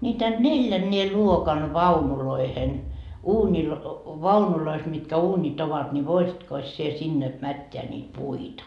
niitä neljännen luokan vaunujen - vaunuissa mitkä uunit ovat niin voisitkos sinä sinne mättää niitä puita